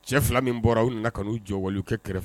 Cɛ fila min bɔra aw nana ka' u jɔwa kɛ kɛrɛfɛ